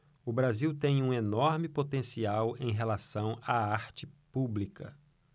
o brasil tem um enorme potencial em relação à arte pública